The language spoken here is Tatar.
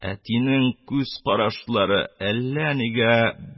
Әтинең күз карашлары әллә нигә